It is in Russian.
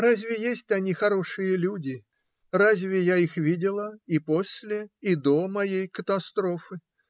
Разве есть они, хорошие люди, разве я их видела и после и до моей катастрофы?